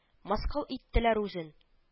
– мыскыл иттеләр үзен